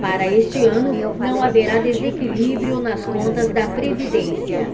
para este ano não haverá desequilíbrio nas contas da previdência